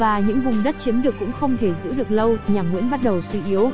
và những vùng đất chiếm được cũng không thể giữ được lâu nhà nguyễn bắt đầu suy yếu